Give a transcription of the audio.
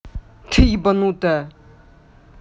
ты ебанутая